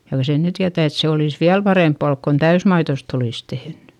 kyllähän sen nyt tietää että se olisi vielä parempaa kuin täysmaidosta olisi tehnyt